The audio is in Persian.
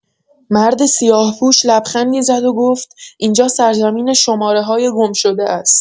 مرد سیاهپوش لبخندی زد و گفت: «اینجا سرزمین شماره‌های گمشده است.»